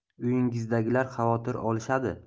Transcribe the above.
uyingizdagilar xavotir olishadi